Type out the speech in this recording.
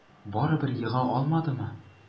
Барыбер ега алмадымы?